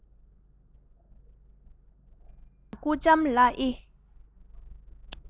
ཇོ དང སྐུ ལྕམ ལགས ཡེ